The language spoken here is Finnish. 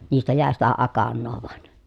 niistä jäi sitä akanaa vain